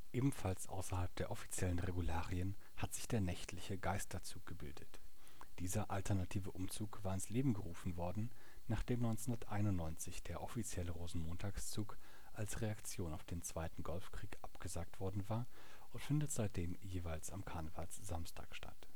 Ebenfalls außerhalb der offiziellen Regularien hat sich der nächtliche Geisterzug gebildet. Dieser alternative Umzug war ins Leben gerufen worden, nachdem 1991 der offizielle Rosenmontagszug als Reaktion auf den zweiten Golfkrieg abgesagt worden war und findet seitdem jeweils am Karnevalssamstag statt